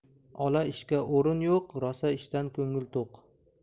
ola ishga o'rin yo'q rosa ishdan ko'ngil to'q